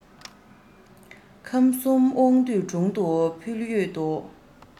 ཁམས གསུམ དབང འདུས དྲུང དུ ཕུལ ཡོད དོ